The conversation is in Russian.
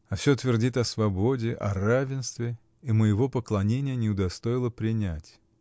А всё твердит о свободе, о равенстве и моего поклонения не удостоила принять.